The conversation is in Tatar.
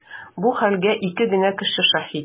Бу хәлгә ике генә кеше шаһит.